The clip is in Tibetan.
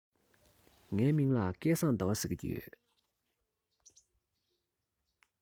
ངའི མིང ལ སྐལ བཟང ཟླ བ ཟེར གྱི ཡོད